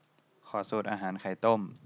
ขอสูตรอาหารไข่ต้ม